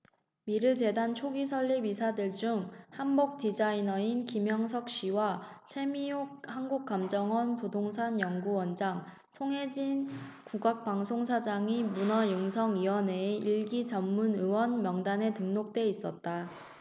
미르재단 초기 설립 이사들 중 한복디자이너인 김영석씨와 채미옥 한국감정원 부동산연구원장 송혜진 국악방송 사장이 문화융성위원회의 일 기 전문위원 명단에 등록돼 있었다